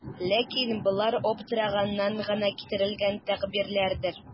Ләкин болар аптыраганнан гына китерелгән тәгъбирләрдер.